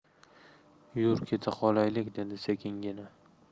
yur keta qolaylik dedi sekingina